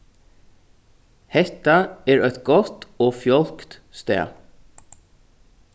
hetta er eitt gott og fjálgt stað